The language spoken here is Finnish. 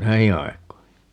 näihin aikoihin